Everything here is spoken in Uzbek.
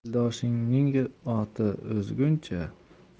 eldoshingning oti o'zguncha